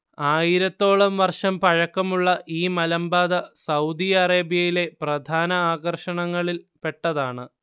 ആയിരത്തോളം വർഷം പഴക്കമുള്ള ഈ മലമ്പാത സൗദി അറേബ്യയിലെ പ്രധാന ആകർഷണങ്ങളിൽപ്പെട്ടതാണ്